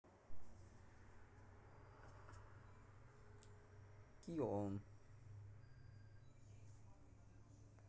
к и он